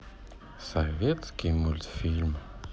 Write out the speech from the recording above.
советский мультфильм